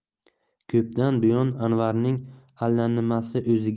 ko'pdan buyon anvarning allanimasi